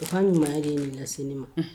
U ka munya de nin lase ne ma